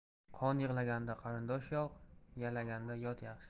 qon yig'laganda qarindosh yog' yalaganda yot yaxshi